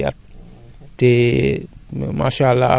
da ngay toog ñeenti at doo fi nga ko defoon doo ko fa defaat